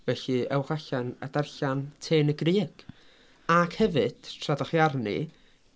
Felly ewch allan a darllen Te yn y Grug. Ac hefyd tra dach chi arni.